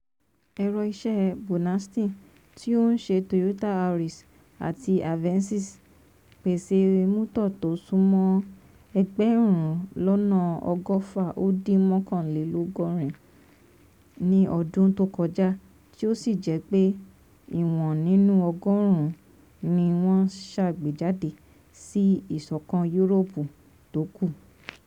Ẹ̀rọ̀ iṣẹ́ Burnaston - tí ó ń ṣe Toyota Auris àti Avensis - pèsè mọ́tò tó súnmọ́ 150,000 ní ọdún tó kọjá tí ó sì jẹ́ pé 90% ní wọ́n ṣàgbéjáde sí Ìṣọ̀kan Yúròpù tó kù.